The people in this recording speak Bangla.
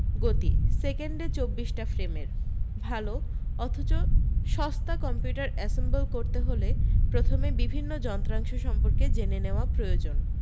গতি সেকেন্ডে চব্বিশটা ফ্রেমের ভাল অথচ সস্তা কম্পিউটার অ্যাসেম্বল করতে হলে প্রথমে বিভিন্ন যন্ত্রাংশ সম্পর্কে জেনে নেওয়া প্রয়োজন